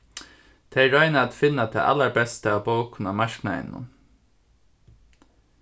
tey royna at finna tað allarbesta av bókum á marknaðinum